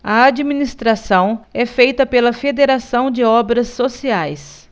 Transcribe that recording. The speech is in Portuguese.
a administração é feita pela fos federação de obras sociais